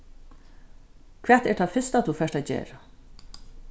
hvat er tað fyrsta tú fert at gera